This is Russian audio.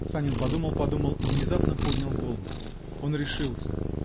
Санин подумал, подумал -- и внезапно поднял голову: он решился!